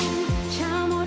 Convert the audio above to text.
nào cùng